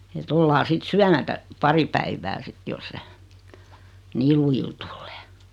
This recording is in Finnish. että ollaan sitten syömättä pari päivää sitten jos se niillä lujille tulee